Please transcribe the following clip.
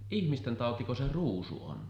ihmisten tautiko se ruusu on